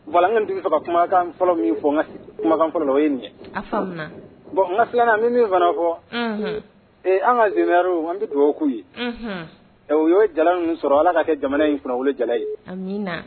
Wa an tun saba kumakan fɔlɔ n kumakan fɔlɔ o ye nin bɔn n ka filanan na min min fana fɔ an ka z an bɛ dugawubabu'u ye o y ye jala min sɔrɔ ala ka kɛ jamana in fana jala ye